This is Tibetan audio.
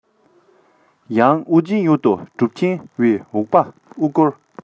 ཡང ཨུ རྒྱན ཡུལ དུ གྲུབ ཆེན བི འོག པ དབུ བསྐོར